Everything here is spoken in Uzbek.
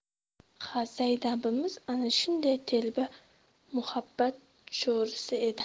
ha zaynabimiz ana shunday telba muhabbat cho'risi edi